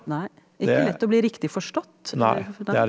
nei ikke lett å bli riktig forstått eller nei.